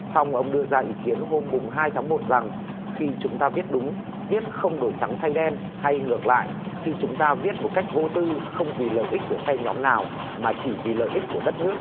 song ông đưa ra ý kiến hôm mùng hai tháng một rằng khi chúng ta viết đúng viết không đổi trắng thay đen hay ngược lại khi chúng ta viết một cách vô tư không vì lợi ích của phe nhóm nào mà chỉ vì lợi ích của đất nước